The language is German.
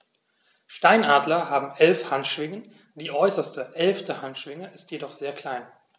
Steinadler haben 11 Handschwingen, die äußerste (11.) Handschwinge ist jedoch sehr klein.